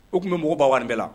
U tun bɛ mɔgɔw baw wari bɛɛ la